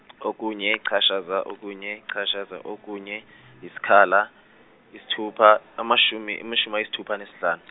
okunye ichashaza okunye ichashaza okunye, isikhala, yisithupha amashum- amashumi ayisithupa nesihlan- .